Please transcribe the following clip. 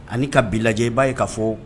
Ani ka bila lajɛ i b'a ye ka fɔ